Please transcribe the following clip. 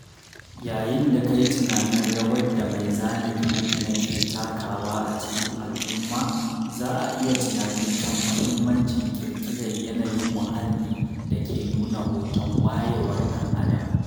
Yayin da ka yi tunanin rawar da mai zana gine-gine ke takawa a cikin al’umma, za ka iya tunani kan mahimmancin ƙirƙirar yanayin muhalli da ke nuna hoton wayewar ɗan Adam.